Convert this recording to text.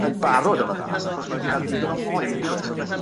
yn barod am y ras achos ma' e wedi ga'l digon o hoi on'd yw e so felly